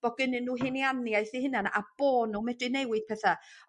bo' gynnyn nhw hunianiaeth eu hunan a bo' nw medru newid petha.